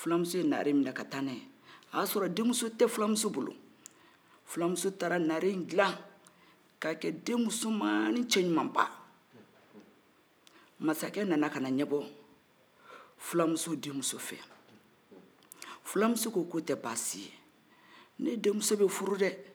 filamuso ye naare minɛ ka taa n'a ye o y'a s'ɔrɔ denmuso tɛ filamuso bolo filamuso taara naare in dila k'a kɛ denmuso jumani cɛjuman ba masakɛ nana kana ɲɛbɔ o fɛ filamuso denmuso fɛ filamuso ko ko tɛ baasi ye ne denmuso bɛ furu dɛɛ